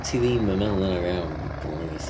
Ti ddim yn meddwl hynna'n go iawn o gwbl nagwyt?